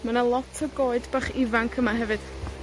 Ma' 'na lot o goed bach ifanc yma hefyd.